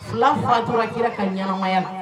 Fila furatura kira ka ɲ la